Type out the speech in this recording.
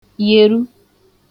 yèru